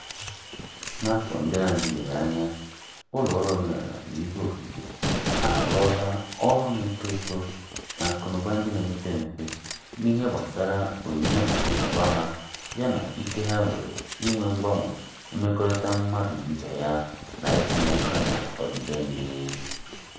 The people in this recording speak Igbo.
N'afọ ndị na-adịbeghị anya, ụlọ ọrụ omenala na ihe okike arụọla ọrụ na-eto eto n'akụnụba ndị na-emepe emepe, n'ihe gbasara onyinye akụ na ụba ha yana ike ha nwere ime mgbanwe mmekọrịta mmadụ na ibe ya na itinye aka na ọdibendị.